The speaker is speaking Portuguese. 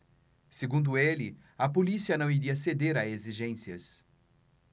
segundo ele a polícia não iria ceder a exigências